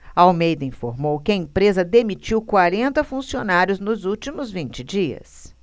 almeida informou que a empresa demitiu quarenta funcionários nos últimos vinte dias